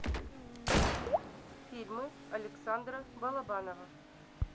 фильмы александра балабанова